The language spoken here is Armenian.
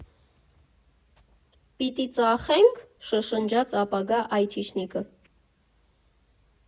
Պիտի ծախե՞նք, ֊ շշնջաց ապագա այթիշնիկը։